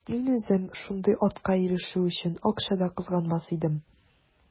Мин үзем шундый атка ирешү өчен акча да кызганмас идем.